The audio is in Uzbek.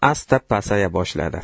asta pasaya boshladi